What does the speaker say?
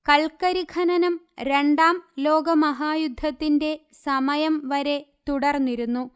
കൽക്കരി ഖനനം രണ്ടാം ലോകമഹായുദ്ധത്തിന്റെ സമയം വരെ തുടർന്നിരുന്നു